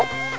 i